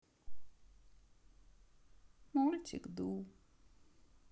мультик ду